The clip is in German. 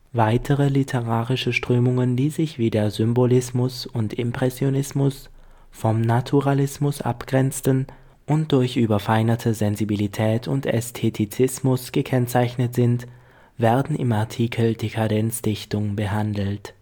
Weitere literarische Strömungen, die sich wie der Symbolismus und Impressionismus vom Naturalismus abgrenzten und durch überfeinerte Sensibilität und Ästhetizismus gekennzeichnet sind, werden im Artikel Dekadenzdichtung behandelt